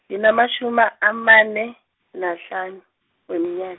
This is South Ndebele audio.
nginamatjhumi, amane, nahlanu, weminya-.